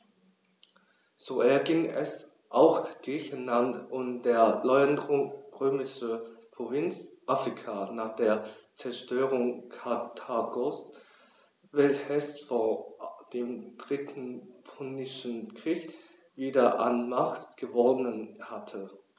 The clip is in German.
So erging es auch Griechenland und der neuen römischen Provinz Afrika nach der Zerstörung Karthagos, welches vor dem Dritten Punischen Krieg wieder an Macht gewonnen hatte.